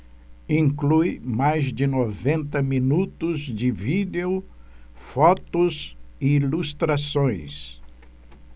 inclui mais de noventa minutos de vídeo fotos e ilustrações